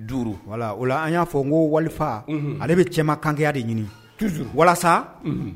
5 voilà ola an ya fɔ nko walifa ale bɛ cɛma kanya de ɲini walasa